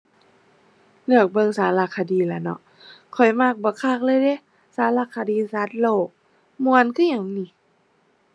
เลือกเบิ่งสารคดีล่ะเนาะ ข้อยมักบักคักเลยเดะ สารคดีสัตว์โลกม่วนคือหยังหนิ